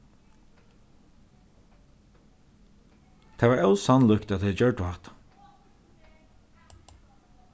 tað var ósannlíkt at tey gjørdu hatta